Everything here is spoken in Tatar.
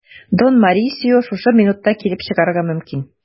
Дон Морисио шушы минутта килеп чыгарга мөмкин.